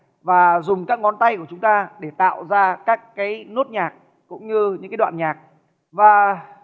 và dùng các ngón tay của chúng ta để tạo ra các cái nốt nhạc cũng như những cái đoạn nhạc và